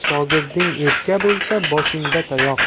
shogirding erka bo'lsa boshga tayoq